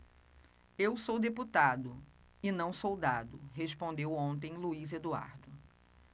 eu sou deputado e não soldado respondeu ontem luís eduardo